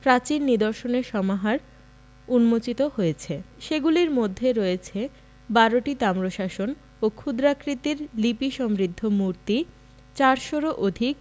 প্রাচীন নিদর্শনের সমাহার উন্মোচিত হয়েছে সেগুলির মধ্যে রয়েছে বারোটি তাম্রশাসন ও ক্ষুদ্রাকৃতির লিপিসমৃদ্ধ মূর্তি চারশরও অধিক